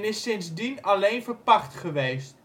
sindsdien alleen verpacht geweest